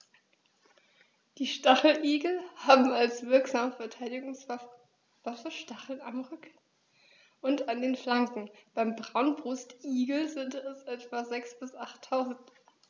Die Stacheligel haben als wirksame Verteidigungswaffe Stacheln am Rücken und an den Flanken (beim Braunbrustigel sind es etwa sechs- bis achttausend).